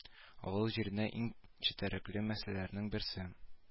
Авыл җирендә иң четерекле мәсьәләләрнең берсе